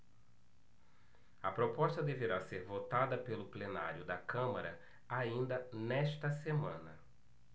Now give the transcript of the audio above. a proposta deverá ser votada pelo plenário da câmara ainda nesta semana